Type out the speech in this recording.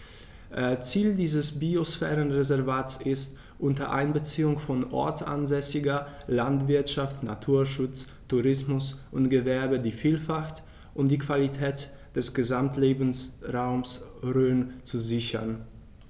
Ziel dieses Biosphärenreservates ist, unter Einbeziehung von ortsansässiger Landwirtschaft, Naturschutz, Tourismus und Gewerbe die Vielfalt und die Qualität des Gesamtlebensraumes Rhön zu sichern.